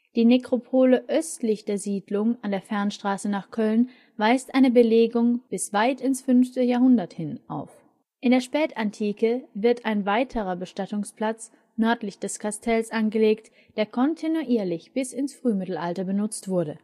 Die Nekropole östlich der Siedlung an der Fernstraße nach Köln weist eine Belegung bis weit ins 5. Jahrhundert hin auf. In der Spätantike wird ein weiterer Bestattungsplatz nördlich des Kastells angelegt, der kontinuierlich bis ins Frühmittelalter benutzt wurde